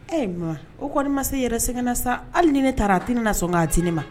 E o ko ma se yɛrɛ sɛgɛnna sa hali ni ne taara at na sɔn k' at ne ma